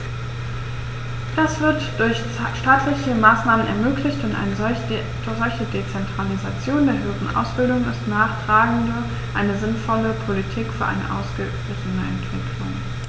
Das wird durch staatliche Maßnahmen ermöglicht, und eine solche Dezentralisation der höheren Ausbildung ist nachgerade eine sinnvolle Politik für eine ausgeglichene Entwicklung.